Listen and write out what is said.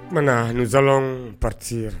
O kumanaa nous allons partir